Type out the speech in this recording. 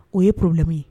O ye plamu ye